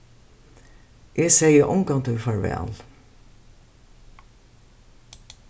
eg segði ongantíð farvæl